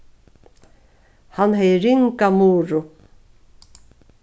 hann hevði ringa muru